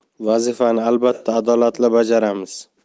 vazifani albatta adolatli bajaramiz